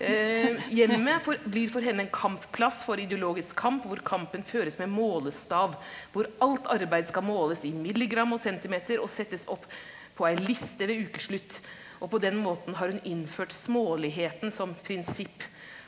hjemmet for blir for henne en kampplass for ideologisk kamp hvor kampen føres med målestav, hvor alt arbeid skal måles i milligram og cm og settes opp på ei liste ved ukeslutt, og på den måten har hun innført småligheten som prinsipp.